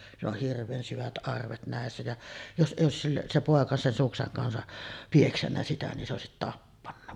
sillä on hirveän syvät arvet näissä ja jos ei olisi - se poika sen suksen kansa piessyt sitä niin se olisi tappanut